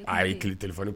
A y'i ki t